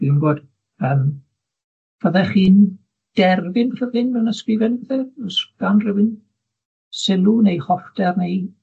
Dwi'm yn gwybod, yym, fyddech chi'n derbyn pethe hyn mewn ysgrifen, fatha? Ws gan rywun sylw neu hoffter neu